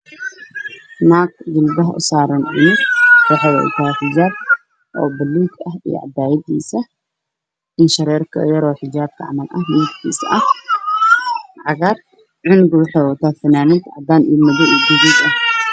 Naag jilbaha usaaran canug yar